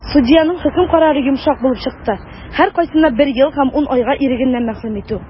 Судьяның хөкем карары йомшак булып чыкты - һәркайсына бер ел һәм 10 айга ирегеннән мәхрүм итү.